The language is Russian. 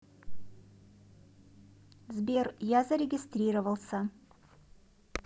сбер я зарегистрировался